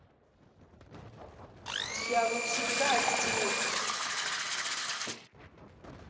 дьявол всегда здесь